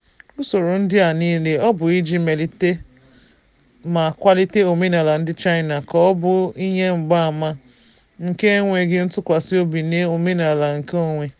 Usoro ndị a niile, ọ bụ iji melite ma kwalite omenala ndị China, ka ọ bụ ihe mgbaàmà nke enweghị ntụkwasịobi n'omenala nke onwe?